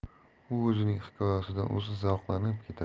u o'zining hikoyasidan o'zi zavqlanib ketadi